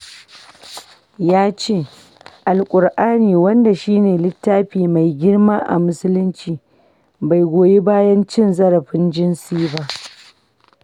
Ya ce, Alkur'ani, wanda shi ne littafi mai girma a Musulunci, bai goyi bayan cin zarafin jinsi ba.